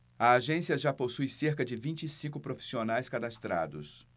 a agência já possui cerca de vinte e cinco profissionais cadastrados